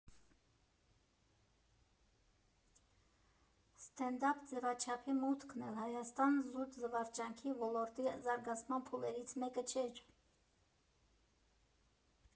Ստենդափ ձևաչափի մուտքն էլ Հայաստան զուտ զվարճանքի ոլորտի զարգացման փուլերից մեկը չէր։